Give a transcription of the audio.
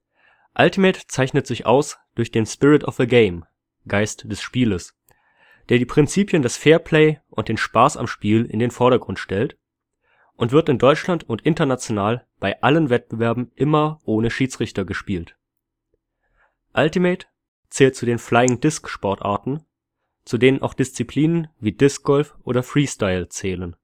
Ultimate zeichnet sich aus durch den Spirit of the Game („ Geist des Spieles “), der die Prinzipien des Fair Play und den Spaß am Spiel in den Vordergrund stellt, und wird in Deutschland und international bei allen Wettbewerben immer ohne Schiedsrichter gespielt. Ultimate zählt zu den Flying-Disc-Sportarten, zu denen auch Disziplinen wie Discgolf oder Freestyle zählen